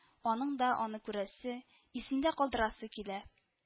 Аның да аны күрәсе, исендә калдырасы килә